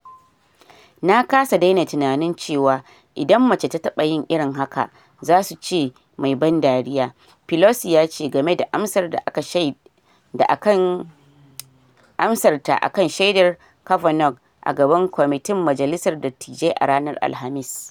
"Na kasa daina tunanin cewa idan mace ta taba yin irin haka, za su ce 'mai ban dariya,'" Pelosi yace game da amsar ta akan shaidar Kavanaugh a gaban kwamitin majalisar dattijai a ranar Alhamis.